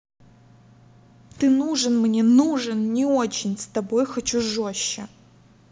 ты нужен мне нужен не очень с тобой хочу жестче